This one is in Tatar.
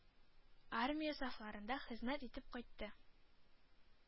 Армия сафларында хезмәт итеп кайтты,